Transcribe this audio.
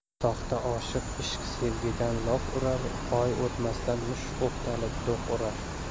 soxta oshiq ishq sevgidan lof urar oy o'tmasdan musht o'qtalib do'q urar